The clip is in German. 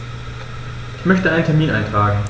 Ich möchte einen Termin eintragen.